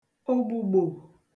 ògbùgbò